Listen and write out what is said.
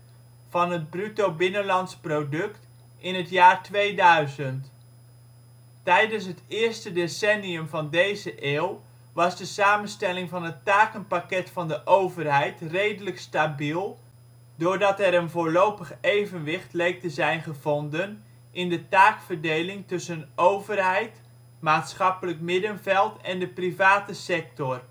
van het Bruto binnenlands product in het jaar 2000. Tijdens het eerste decennium van deze eeuw was de samenstelling van het takenpakket van de overheid redelijk stabiel doordat er een voorlopig evenwicht leek te zijn gevonden in de taakverdeling tussen overheid, maatschappelijk middenveld, en de private sector